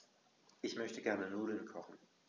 Ich möchte gerne Nudeln kochen.